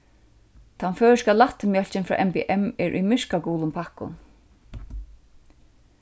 tann føroyska lættimjólkin frá mbm er í myrkagulum pakkum